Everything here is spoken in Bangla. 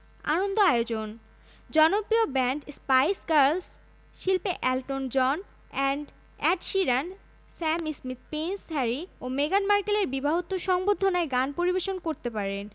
আনন্দ আয়োজন জনপ্রিয় ব্যান্ড স্পাইস গার্লস শিল্পী Elton John Ed Sheeran Sam Smith Prince Harry ও মেগান মার্কেলের বিবাহোত্তর সংবর্ধনায় গান পরিবেশন করতে পারেন